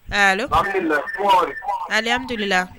Ala alatiri la